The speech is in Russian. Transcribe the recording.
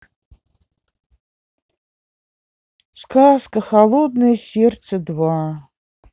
сказка холодное сердце два